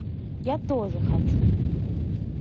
я тоже хочу